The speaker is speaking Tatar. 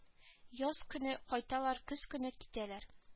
Яз көне кайталар көз көне китәләр